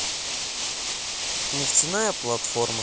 нефтяная платформа